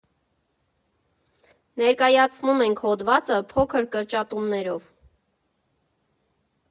Ներկայացնում ենք հոդվածը՝ փոքր կրճատումներով։